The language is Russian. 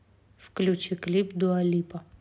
включи клип дуа липа